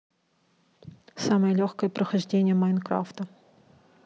самое легкое прохождение майнкрафта